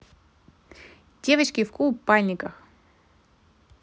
девочки в купальниках